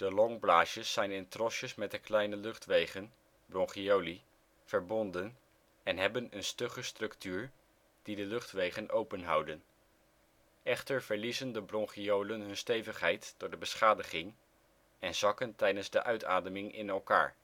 longblaasjes zijn in trosjes met de kleine luchtwegen (bronchioli) verbonden en hebben een stugge structuur die de luchtwegen open houden. Echter verliezen de bronchiolen hun stevigheid door de beschadiging en zakken tijdens de uitademing in elkaar